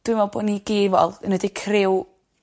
dwi'n me'wl bo' ni gy' wel ynni 'di criw